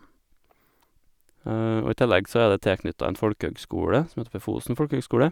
Og i tillegg så er det tilknyttet en folkehøgskole, som heter for Fosen folkehøgskole.